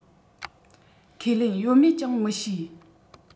ཁས ལེན ཡོད མེད ཀྱང མི ཤེས